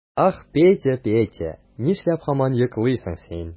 Ах, Петя, Петя, нишләп һаман йоклыйсың син?